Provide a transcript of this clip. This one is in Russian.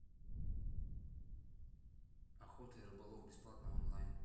охота и рыболов бесплатно онлайн